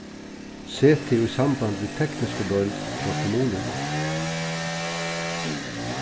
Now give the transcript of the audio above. set teg í samband við teknisku deild hjá kommununi